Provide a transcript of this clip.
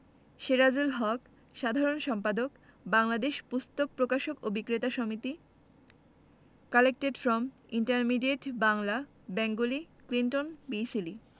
সেরাজুল হক সাধারণ সম্পাদক বাংলাদেশ পুস্তক প্রকাশক ও বিক্রেতা সমিতি Collected from Intermediate Bangla Bengali Clinton B Seely